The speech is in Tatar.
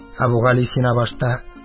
Әбүгалисина башта: